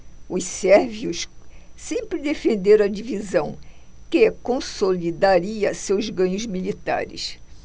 os sérvios sempre defenderam a divisão que consolidaria seus ganhos militares